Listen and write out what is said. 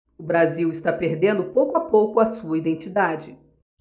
o brasil está perdendo pouco a pouco a sua identidade